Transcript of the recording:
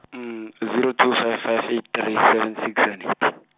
zero two five five eight three seven six and eight.